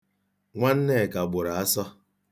Nwanneka gbụrụ asụ.